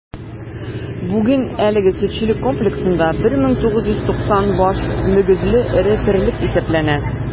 Бүген әлеге сөтчелек комплексында 1490 баш мөгезле эре терлек исәпләнә.